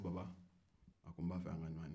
a ko baba n b'a fɛ an ɲɔgɔn ye